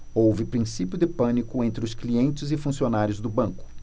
houve princípio de pânico entre os clientes e funcionários do banco